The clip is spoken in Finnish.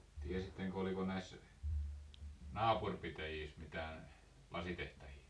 tiesittekö oliko näissä naapuripitäjissä mitään lasitehtaita